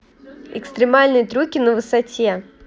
экстремальные трюки на высоте